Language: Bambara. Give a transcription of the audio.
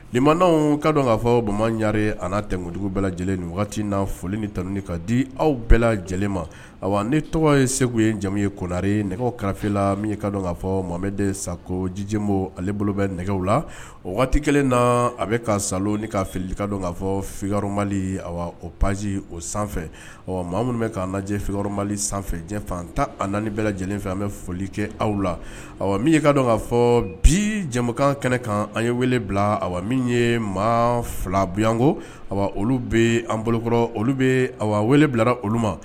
Nin ma ka dɔn k kaa fɔ bamanan ɲare a tɛmɛtigiw bɛɛ lajɛlen nin waati wagati na foli ni tauni ka di aw bɛɛ lajɛlen ma ni tɔgɔ ye segu ye jamumu ye konare nɛgɛ karala min ka dɔn k kaa fɔ mama de sakɔ jijibo ale bolo bɛ nɛgɛ la o waati kɛlen na a bɛ ka salon ni ka fili ka dɔn k kaa fɔma o paz o sanfɛ mɔgɔ minnu bɛ'a lajɛjɛ fma sanfɛ janfantan ani bɛɛ lajɛlen fɛ bɛ foli kɛ aw la min ye ka k kaa fɔ bi jɛkan kɛnɛ kan an ye wele bila a min ye maa filabuko a olu bɛ an bolokɔrɔ olu bɛ wele bilara olu ma